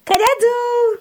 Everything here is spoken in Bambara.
Ka n'a dun